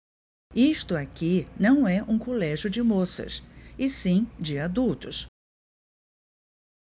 isto aqui não é um colégio de moças e sim de adultos